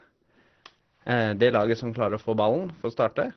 Det laget som klarer å få ballen får starte.